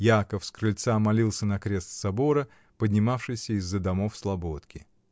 Яков с крыльца молился на крест собора, поднимавшийся из-за домов слободки.